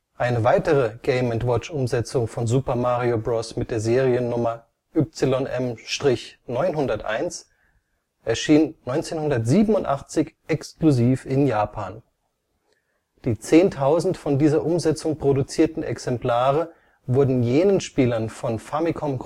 Eine weitere Game -&- Watch-Umsetzung von Super Mario Bros. mit der Seriennummer YM-901 erschien 1987 exklusiv in Japan. Die 10.000 von dieser Umsetzung produzierten Exemplare wurden jenen Spielern von Famicom